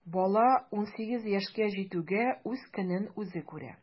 Бала унсигез яшькә җитүгә үз көнен үзе күрә.